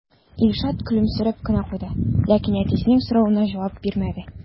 Илшат көлемсерәп кенә куйды, ләкин әтисенең соравына җавап бирмәде.